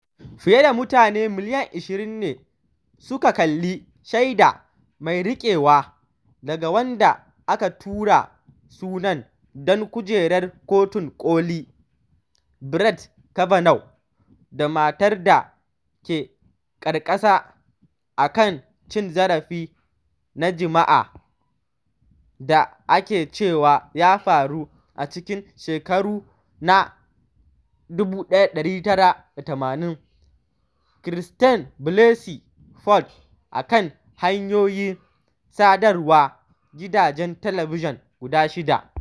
Fiye da mutane miliyan 20 ne suka kalli shaida mai riƙewa daga wanda aka tura sunan don kujerar Kotun Koli Brett Kavanaugh da matar da ke ƙararsa a kan cin zarafi na jima’i da ake cewa ya faru a cikin shekaru na 1980, Christine Blasey Ford, a kan hanyoyin sadarwar gidajen talabijin guda shida.